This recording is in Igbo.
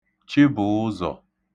Chịbụ̀ụzọ̀